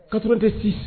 Kato tɛ ci